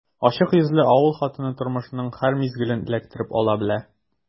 Ачык йөзле авыл хатыны тормышның һәр мизгелен эләктереп ала белә.